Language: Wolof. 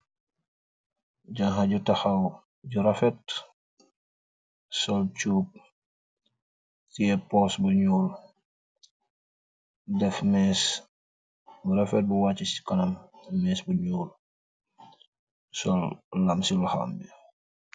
Janha ju takhaw ju rafet, sol chuup, tiyeh purse bu njull, def meeche bu rafet bu waacha ci kanam, meeche bu njull, sol lamm ci lokhom bi.